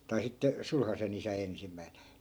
tai sitten sulhasen isä ensimmäisenä